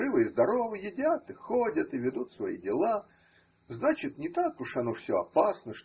живы и здоровы, едят и холят, и ведут свои дела: значит, не так уж оно все опасно.